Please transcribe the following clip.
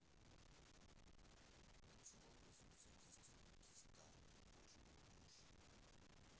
от чего образуются кисти киста почек у мужчин